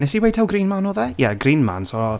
Wnes i weud taw Green Man oedd e? Ie, Green Man, so...